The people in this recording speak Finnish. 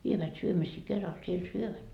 vievät syömisiä keralla siellä syövät